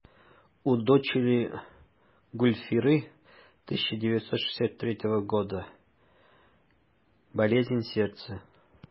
1963 елгы кызым гөлфирәдә йөрәк авыруы.